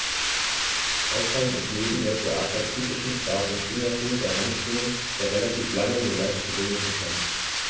Auffallend ist neben der für Adler typischen starken Fingerung der Handschwingen der relativ lange, nur leicht gerundete Schwanz.